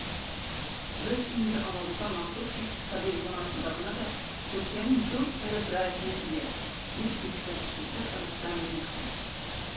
"без инде алабуга махсус икътисади зонасында гына да төркиянең 4 эре проектына ия", - дип искә төшерде рөстәм миңнеханов.